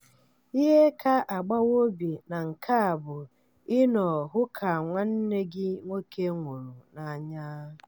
Ihe ka agbawa obi na nke a bụ ịnọ hụ ka nwanne gị nwoke nwụrụ n'anya.